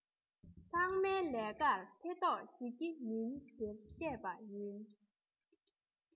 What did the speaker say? ཚང མའི ལས ཀར ཐེ གཏོགས བྱེད ཀྱི མིན ཟེར བཤད པ ཡིན